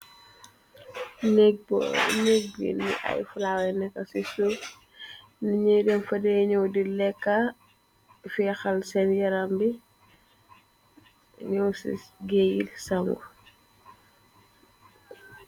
nek bi ni ay flawa nekacisu niñuy dem fa deñëw di lekka fixal seen yaram bi ñëw ci géeyi samu